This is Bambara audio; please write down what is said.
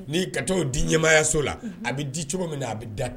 Ni ka t'o di ɲɛmaayaso la, a bɛ di cogo min na a bɛ d'a